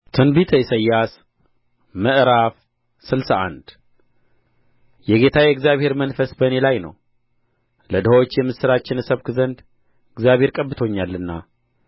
ትንቢተ ኢሳይያስ ምዕራፍ ስልሳ አንድ የጌታ የእግዚአብሔር መንፈስ በእኔ ላይ ነው ለድሆች የምሥራችን እሰብክ ዘንድ እግዚአብሔር ቀብቶኛልና